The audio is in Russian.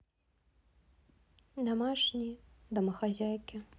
домашние домохозяйки